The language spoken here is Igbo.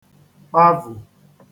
kpavù